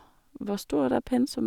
Hvor stort er pensum?